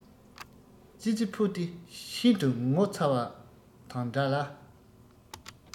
ཙི ཙི ཕོ དེ ཤིན ཏུ ངོ ཚ བ དང འདྲ ལ